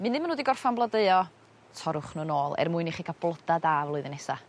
munud ma' n'w 'di gorffan blodeuo torrwch n'w nôl er mwyn i chi ca'l bloda da flwyddyn nesa.